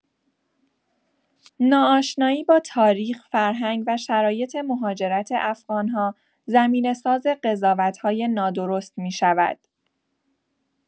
ناآشنایی با تاریخ، فرهنگ و شرایط مهاجرت افغان‌ها، زمینه‌ساز قضاوت‌های نادرست می‌شود.